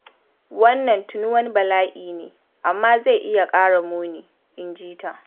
“Wannan tuni wani bala’i ne, amma zai iya ƙara muni,” inji ta.